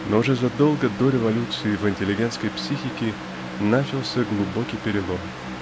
Но уже задолго до революции в интеллигентской психике начался глубокий перелом.